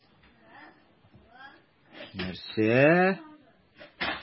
Нәрсә?!